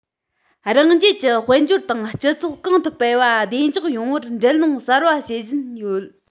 རང རྒྱལ གྱི དཔལ འབྱོར དང སྤྱི ཚོགས གོང དུ སྤེལ བ དང བདེ འཇགས ཡོང བར འགྲན སློང གསར པ བྱེད བཞིན ཡོད